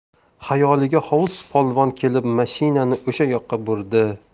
xayoliga hovuz polvon kelib mashinani o'sha yoqqa burdi